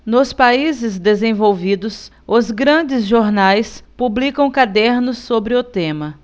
nos países desenvolvidos os grandes jornais publicam cadernos sobre o tema